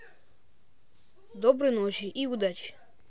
доброй ночи и удачи